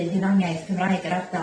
hunaniaith Cymraeg yr ardal